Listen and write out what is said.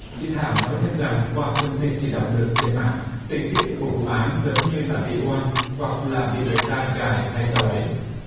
chị thảo nói thêm rằng qua thông tin chị đọc được trên mạng tình tiết của vụ án giống như là bị oan hoặc là bị người ta gài hay sao ấy